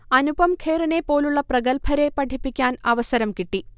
അനുപം ഖേറിനെപ്പോലുള്ള പ്രഗല്ഭരെ പഠിപ്പിക്കാൻ അവസരം കിട്ടി